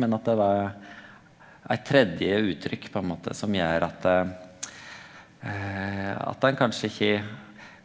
men at det var eit tredje uttrykk på ein måte som gjer at at han kanskje ikkje